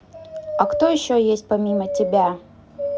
а кто еще есть помимо тебя